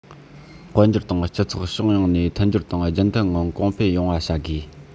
དཔལ འབྱོར དང སྤྱི ཚོགས ཕྱོགས ཡོངས ནས མཐུན སྦྱོར དང རྒྱུན མཐུད ངང གོང འཕེལ ཡོང བ བྱ དགོས